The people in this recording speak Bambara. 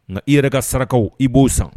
Nka i yɛrɛ ka saraka i b'o san